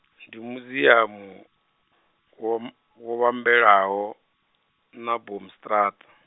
ndi muziamu, wo m-, wo vhambelaho, na Boomstraat.